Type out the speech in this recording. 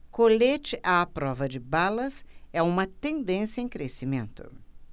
colete à prova de balas é uma tendência em crescimento